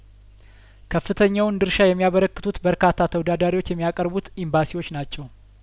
ከፍተኛውን ድርሻ የሚያበረክቱት በርካታ ተወዳዳሪዎች የሚያቀርቡት ኢምባሲዎች ናቸው